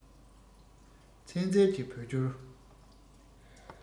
ཚན རྩལ གྱི བོད སྐྱོར